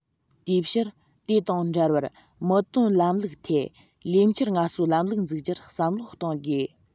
དེའི ཕྱིར དེ དང འབྲེལ བར མི དོན ལམ ལུགས ཐད ལས འཁྱུར ངལ གསོའི ལམ ལུགས འཛུགས རྒྱུར བསམ བློ གཏོང དགོས